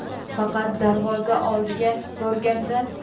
faqat darvoza oldiga borganda